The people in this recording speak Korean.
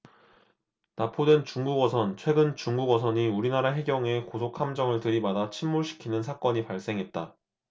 나포된 중국어선 최근 중국 어선이 우리나라 해경의 고속함정을 들이받아 침몰시키는 사건이 발생했다